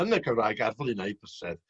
yn y Gymraeg ar flaenau bysedd.